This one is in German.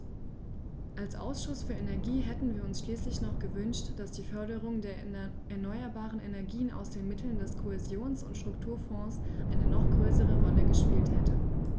Als Ausschuss für Energie hätten wir uns schließlich noch gewünscht, dass die Förderung der erneuerbaren Energien aus den Mitteln des Kohäsions- und Strukturfonds eine noch größere Rolle gespielt hätte.